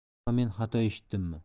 yo men xato eshitdimmi